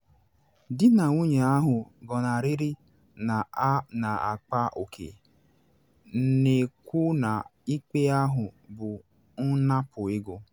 Di na nwunye ahụ gọnarịrị na ha na akpa oke, na ekwu na ikpe ahụ bụ “nnapụ ego.”